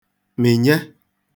mị̀nye